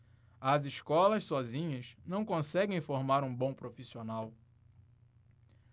as escolas sozinhas não conseguem formar um bom profissional